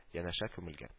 Янәшә күмелгән